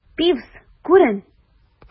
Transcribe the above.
Пивз, күрен!